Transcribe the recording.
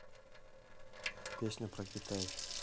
песня про китай